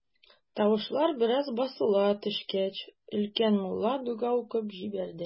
Тавышлар бераз басыла төшкәч, өлкән мулла дога укып җибәрде.